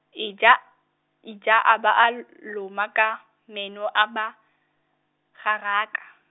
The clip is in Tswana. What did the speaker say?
ija, ija, a ba a l- loma ka, meno, a ba, haraka.